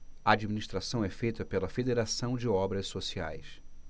a administração é feita pela fos federação de obras sociais